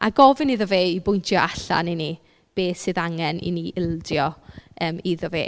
A gofyn iddo fe i bwyntio allan i ni beth sydd angen i ni ildio yym iddo fe.